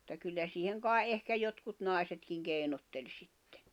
mutta kyllä siihen kai ehkä jotkut naisetkin keinotteli sitten